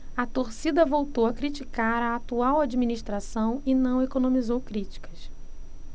a torcida voltou a criticar a atual administração e não economizou críticas